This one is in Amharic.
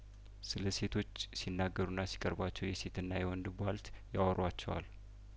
ስለሴቶች ሲናገሩና ሲቀር ቧቸው የሴትና የወንድ ቧልት ያወሩ ዋቸዋል